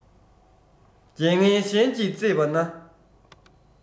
རྒྱལ ངན གཞན གྱིས གཙེས པ ན